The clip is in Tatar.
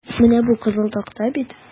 Менә бу кызыл такта бит?